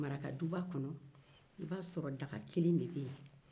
marakaduba kɔnɔ i b'a sɔrɔ daga kelen de bɛ yen